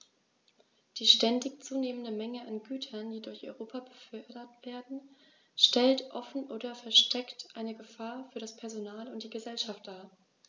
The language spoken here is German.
Die ständig zunehmende Menge an Gütern, die durch Europa befördert werden, stellt offen oder versteckt eine Gefahr für das Personal und die Gesellschaft dar.